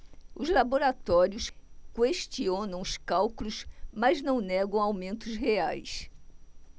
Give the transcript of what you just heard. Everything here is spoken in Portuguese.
os laboratórios questionam os cálculos mas não negam aumentos reais